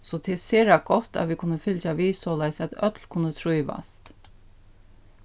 so tað er sera gott at vit kunna fylgja við soleiðis at øll kunna trívast